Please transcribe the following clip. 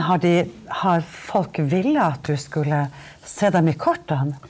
har de har folk villet at du skulle se dem i kortene?